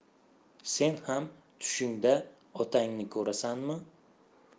sen ham tushingda otangni ko'rasanmi